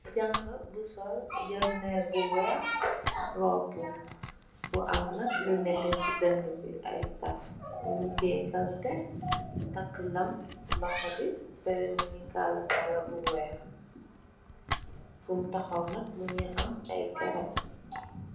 Jàngha bu sol gasnerr bu weeh robbu, bu am nak lu nètè ci dënu bi ay taaf, mungi té kalpeh, takk lam ci loho bi. Parè mungi kala-kala bu weeh fum tahaw nak mungi am ay garab.